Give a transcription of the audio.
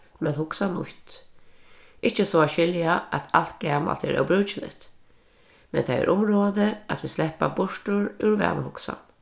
men hugsa nýtt ikki so at skilja at alt gamalt er óbrúkiligt men tað er umráðandi at vit sleppa burtur úr vanahugsan